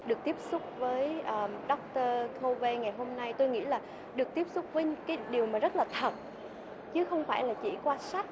được tiếp xúc với đốc tờ cô vây ngày hôm nay tôi nghĩ là được tiếp xúc với cái điều mà rất là thật chứ không phải là chỉ qua sách